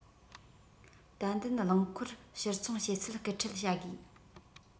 ཏན ཏན རླངས འཁོར ཕྱིར ཚོང བྱེད ཚད སྐུལ ཁྲིད བྱ དགོས